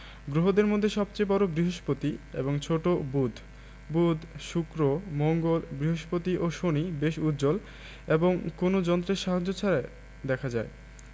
গ্রহদের মধ্যে সবচেয়ে বড় বৃহস্পতি এবং ছোট বুধ বুধ শুক্র মঙ্গল বৃহস্পতি ও শনি বেশ উজ্জ্বল এবং কোনো যন্ত্রের সাহায্য ছাড়াই দেখা যায়